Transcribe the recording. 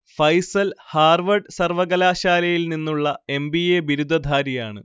Faisal Harvard സർവകലാശാലയിൽ നിന്നുള്ള M. B. A. ബിരുദധാരിയാണ്